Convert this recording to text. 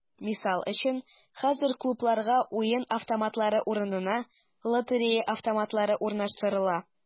Мисал өчен, хәзер клубларга уен автоматлары урынына “лотерея автоматлары” урнаштырыла.